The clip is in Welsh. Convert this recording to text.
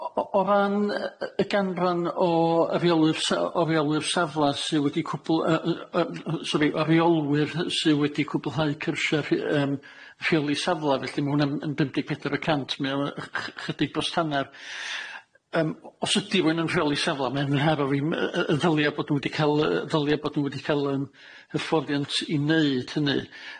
O- o- o ran yy yy y ganran o reolwyr sa- o areolwyr safla sydd wedi cwpl- yy yy yy sori reolwyr sydd wedi cwblhau cyrsia rhy- yym rheoli safla, felly ma' hwnna'n yn bum deg peder y cant, mae o'n yy ch- chydig bost hannar, yym os ydi fwyn yn rheoli safla, mae'n haro fi m- yy yy y ddylia bod nw wedi ca'l yy ddylia bod nw wedi ca'l yym hyfforddiant i neud hynny.